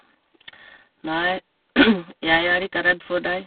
Nei, jeg er ikke redd for deg.